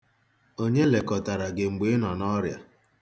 Onye lekọtara gị mgbe ị nọ n'ọrịa.